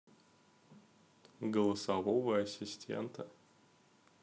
голосового ассистента